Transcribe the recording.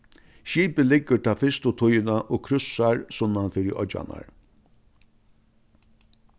skipið liggur tað fyrstu tíðina og krússar sunnan fyri oyggjarnar